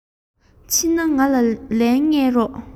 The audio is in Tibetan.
ཕྱིན ན ང ལ ལན བྱིན རོགས